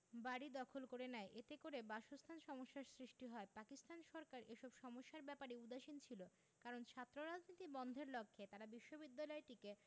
বাড়ি দখল করে নেয় এতে করে বাসস্থান সমস্যার সৃষ্টি হয় পাকিস্তান সরকার এসব সমস্যার ব্যাপারে উদাসীন ছিল কারণ ছাত্ররাজনীতি বন্ধের লক্ষ্যে তারা বিশ্ববিদ্যালয়টিকে